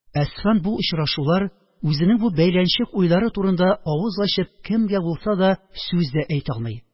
Әсфан бу очрашулар, үзенең бу бәйләнчек уйлары турында авыз ачып кемгә булса да сүз дә әйтә алмый.